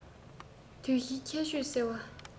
དུས བཞིའི ཁྱད ཆོས གསལ བ